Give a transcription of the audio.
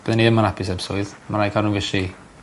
Byddwn i ddim yn apus eb swydd. Ma' rai' cadw'n fishi.